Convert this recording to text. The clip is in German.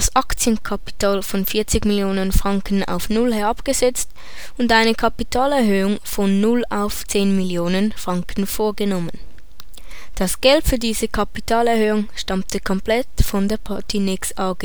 Aktienkapital von 40 Mio. CHF auf Null herabgesetzt und eine Kapitalerhöhung von Null auf 10 Mio. CHF vorgenommen. Das Geld für diese Kapitalerhöhung stammte komplett von der Patinex AG